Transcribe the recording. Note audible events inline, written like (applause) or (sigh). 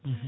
(hesitation) %hu